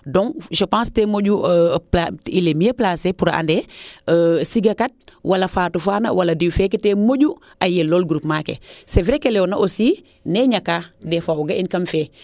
donc je pense que il est mieux placé pour a ande Siaga kat wala Fatou faana wala diw faana tee moƴu a yelool groupement ke c' est vrai ke leyoona aussi ne ñakaa des fois ;fra o ga in kam fee